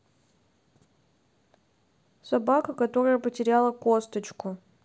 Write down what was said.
собака которая потеряла косточку